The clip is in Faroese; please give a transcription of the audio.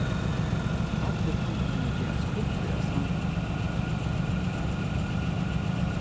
allir puntarnir gerast fullir av sandkornum